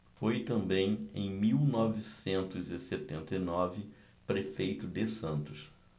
foi também em mil novecentos e setenta e nove prefeito de santos